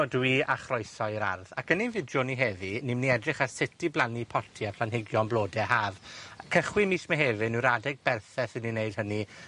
...ydw i, a chroeso i'r ardd. Ac yn ein fideo ni heddi, ni myn' i edrych ar sut i blannu potie planhigion blode haf, a cychwyn mis Mehefin yw'r adeg berffeth i ni wneud hynny,